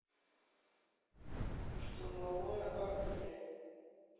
штурмовое оружие